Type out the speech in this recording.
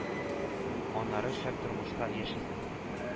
Аннары шәп тормышта яшисең.